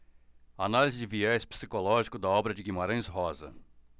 análise de viés psicológico da obra de guimarães rosa